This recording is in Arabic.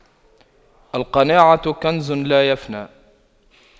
القناعة كنز لا يفنى